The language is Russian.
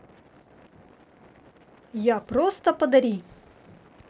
я просто подари